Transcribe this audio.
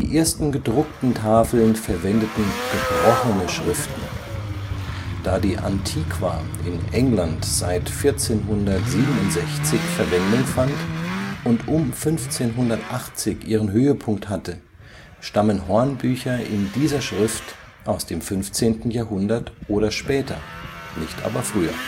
ersten gedruckten Tafeln verwendeten gebrochene Schriften. Da die Antiqua in England seit 1467 Verwendung fand und um 1580 ihren Höhepunkt hatte, stammen Hornbücher in dieser Schrift aus dem 15. Jahrhundert oder später, nicht aber früher